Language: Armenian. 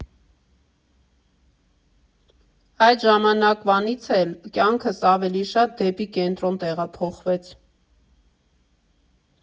Այդ ժամանակվանից էլ կյանքս ավելի շատ դեպի կենտրոն տեղափոխվեց.